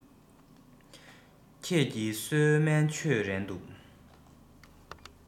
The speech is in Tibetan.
ཁྱེད ཀྱིས གསོལ སྨན མཆོད རན འདུག